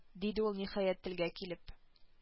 Диде ул ниһаять телгә килеп